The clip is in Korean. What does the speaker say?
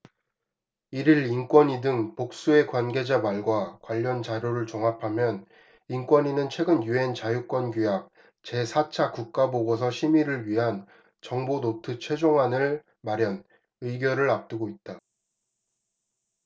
일 일 인권위 등 복수의 관계자 말과 관련 자료를 종합하면 인권위는 최근 유엔 자유권규약 제 사 차 국가보고서 심의를 위한 정보노트 최종안을 마련 의결을 앞두고 있다